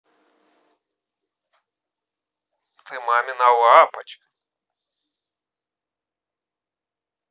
ты мамина лапочка